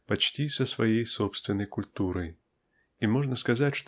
почти со своей собственной культурой и можно сказать